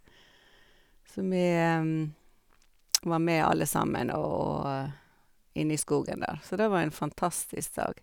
Så vi var med alle sammen og inni skogen der, så det var en fantastisk dag.